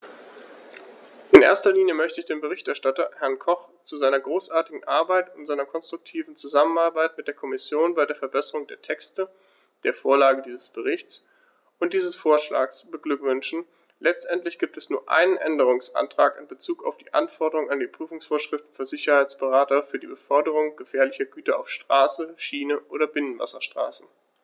In erster Linie möchte ich den Berichterstatter, Herrn Koch, zu seiner großartigen Arbeit und seiner konstruktiven Zusammenarbeit mit der Kommission bei der Verbesserung der Texte, der Vorlage dieses Berichts und dieses Vorschlags beglückwünschen; letztendlich gibt es nur einen Änderungsantrag in bezug auf die Anforderungen an die Prüfungsvorschriften für Sicherheitsberater für die Beförderung gefährlicher Güter auf Straße, Schiene oder Binnenwasserstraßen.